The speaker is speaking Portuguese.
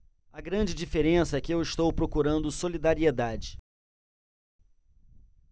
a grande diferença é que eu estou procurando solidariedade